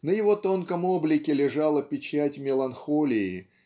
на его тонком облике лежала печать меланхолии